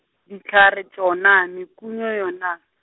dihlare tšona mekunyo yona.